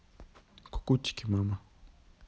кукутики мама